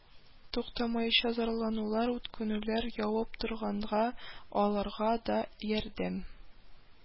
Туктамаенча зарланулар, үтенүләр явып торганга, аларга да ярдәм